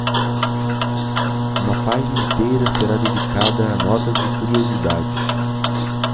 uma página inteira será dedicada a notas e curiosidades